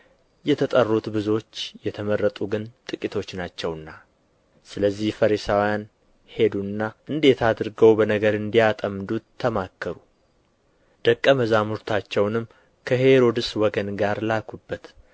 የተጠሩ ብዙዎች የተመረጡ ግን ጥቂቶች ናቸውና ስለዚህ ፈሪሳውያን ሄዱና እንዴት አድርገው በነገር እንዲያጠምዱት ተማከሩ ደቀ መዛሙርታቸውንም ከሄሮድስ ወገን ጋር ላኩበት